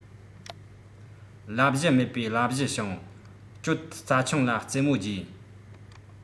ལབ གཞི མེད པའི ལབ གཞི བྱུང གྱོད རྩ ཆུང ལ རྩེ མོ རྒྱས